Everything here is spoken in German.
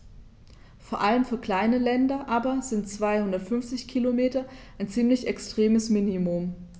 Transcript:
Vor allem für kleine Länder aber sind 250 Kilometer ein ziemlich extremes Minimum.